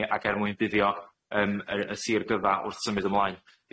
ni ac er mwyn buddio yym yy y sir gyfa wrth symud ymlaen.